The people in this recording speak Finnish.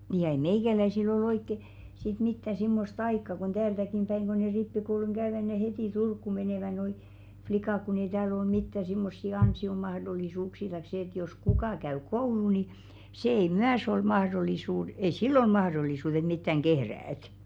niin ja ei meikäläisillä ole oikein sitten mitään semmoista aikaa kun täältäkin päin kun ne rippikoulun käyvät ne heti Turkuun menevät nuo likat kun ei täällä ole mitään semmoisia ansiomahdollisuuksia tai se että jos kuka käy koulua niin se ei myös ole - ei sillä ole mahdollisuutta että mitään kehrätä